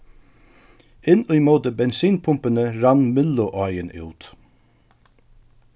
inn ímóti bensinpumpuni rann mylluáin út